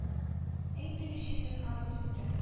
Әйтегезче, зинһар, үз итеп,